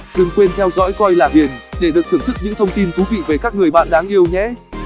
đừng quên theo dõi coi là ghiền để được thưởng thức những thông tin thú vị về các người bạn đáng yêu nhé